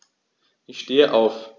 Ich stehe auf.